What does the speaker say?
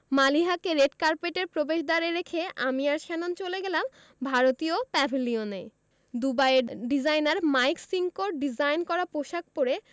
মালিহাকে রেড কার্পেটের প্রবেশদ্বারে রেখে আমি আর শ্যানন চলে গেলাম ভারতীয় প্যাভিলিয়নে দুবাইয়ের ডিজাইনার মাইক সিঙ্কোর ডিজাইন করা পোশাক পড়ে